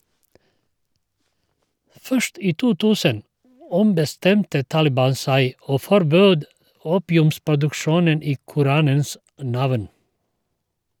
Først i 2000 ombestemte Taliban seg, og forbød opiumsproduksjonen i koranens navn.